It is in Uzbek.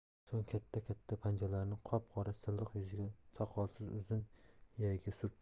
so'ng katta katta panjalarini qop qora silliq yuziga soqolsiz uzun iyagiga surtdi